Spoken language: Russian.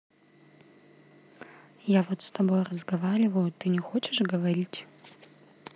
я вот с тобой разговариваю ты не хочешь говорить